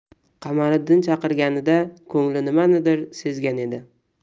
qamariddin chaqirganida ko'ngli nimanidir sezgan edi